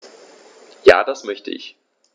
Ja, das möchte ich.